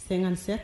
Sɛgɛnga tɛ